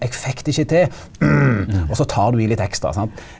eg fekk det ikkje til også tar du i litt ekstra sant.